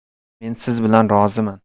men siz bilan roziman